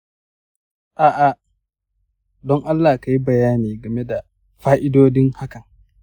a’a, don allah ka yi bayani game da fa’idodin hakan.